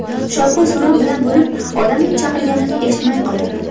shovqin suron bilan bo'lib onamning chaqirganini eshitmay qolibman